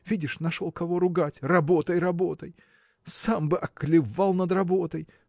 Видишь, нашел кого ругать: Работай, работай! Сам бы околевал над работой!